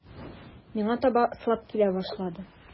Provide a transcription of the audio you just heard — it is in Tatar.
Миңа таба ыслап килә башлады.